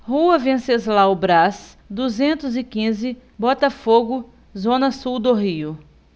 rua venceslau braz duzentos e quinze botafogo zona sul do rio